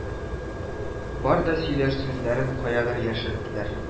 Бар да сөйләр сүзләрен каядыр яшерделәр